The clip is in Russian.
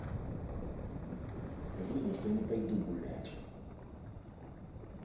скажи ему что я не пойду гулять